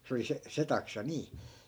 se oli se se taksa niin